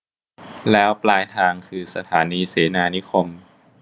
แล้วปลายทางคือสถานีเสนานิคม